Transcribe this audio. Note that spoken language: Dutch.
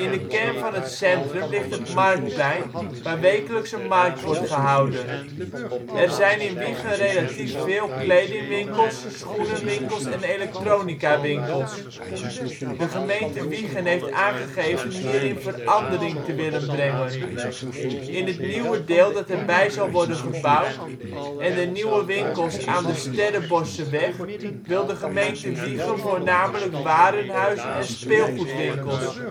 de kern van het centrum ligt het Marktplein, waar wekelijks een markt wordt gehouden. Er zijn in Wijchen relatief veel kledingwinkels, schoenenwinkels en elektronicawinkels. De gemeente Wijchen heeft aangegeven hierin verandering te willen aanbrengen. In het nieuwe deel dat erbij zal worden gebouwd en de nieuwe winkels aan de Sterreboscheweg, wil de gemeente Wijchen voornamelijk warenhuizen en speelgoedwinkels